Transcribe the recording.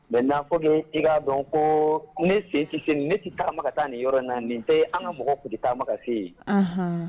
N'afɔ i b'a dɔn ko ne sesisi ne tɛ taamama ka taa nin yɔrɔ na nin tɛ an ka mɔgɔ kulu taama ka se yen